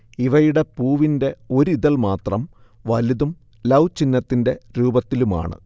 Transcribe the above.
ഇവയുടെ പൂവിന്റെ ഒരിതൾമാത്രം വലുതും ലൗ ചിഹ്നത്തിന്റെ രൂപത്തിലുമാണ്